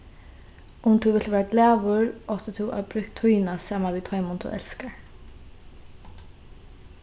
um tú vilt vera glaður átti tú at brúkt tíðina saman við teimum tú elskar